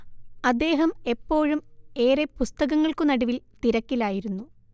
അദ്ദേഹം എപ്പോഴും ഏറെ പുസ്തകങ്ങൾക്കുനടുവിൽ തിരക്കിലായിരുന്നു